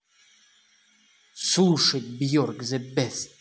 слушать бьерк зе бест